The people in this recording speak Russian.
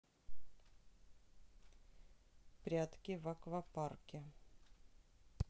прятки в аквапарке